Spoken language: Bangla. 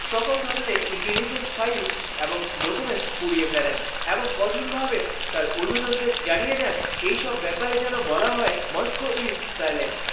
সকল ধরনের ইন্টেলিজেন্স ফাইল এবং ডকুমেন্ট পুড়িয়ে ফেলেন এবং কঠোর ভাবে তার উর্দ্ধতন দের জানিয়ে দেন এসব ব্যাপারে যেন বলা হয় মস্কো ইজ সাইলেন্ট